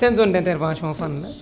seen zone d' intervention fan la